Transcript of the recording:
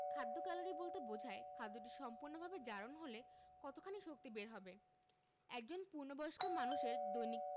খাদ্য ক্যালোরি বলতে বোঝায় খাদ্যটি সম্পূর্ণভাবে জারণ হলে কতখানি শক্তি বের হবে একজন পূর্ণবয়স্ক মানুষের দৈনিক